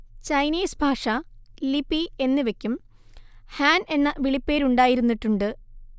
Chinese ഭാഷ ലിപി എന്നിവയ്ക്കും ഹാൻ എന്ന വിളിപ്പേരുണ്ടായിരുന്നിട്ടുണ്ട്